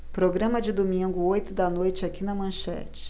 programa de domingo oito da noite aqui na manchete